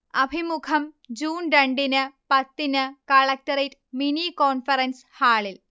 അഭിമുഖം ജൂൺ രണ്ടിന് പത്തിന് കളക്ടറേറ്റ് മിനി കോൺഫറൻസ് ഹാളിൽ